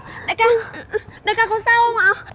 đại ca đại ca có sao không ạ